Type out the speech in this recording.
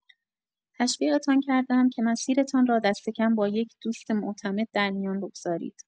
تشویقتان کرده‌ام که مسیرتان را دست‌کم با یک دوست معتمد در میان بگذارید.